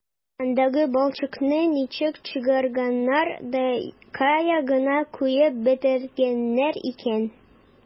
Андагы балчыкны ничек чыгарганнар да кая гына куеп бетергәннәр икән...